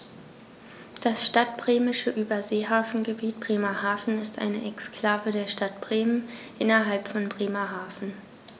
Das Stadtbremische Überseehafengebiet Bremerhaven ist eine Exklave der Stadt Bremen innerhalb von Bremerhaven.